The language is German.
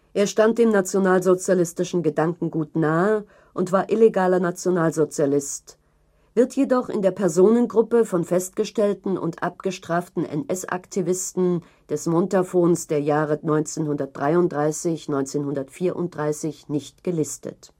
Er stand dem nationalsozialistischen Gedankengut nahe und war illegaler Nationalsozialist, wird jedoch in der Personengruppe von festgestellten und abgestraften NS-Aktivisten des Montafons der Jahre 1933 / 1934 nicht gelistet